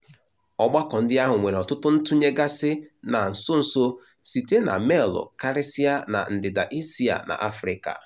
Ọgbakọ ndị ahụ nwere ọtụtụ ntụnye gasị na nsonso site na meelụ karịsịa na Ndịda Asia na Afrịka.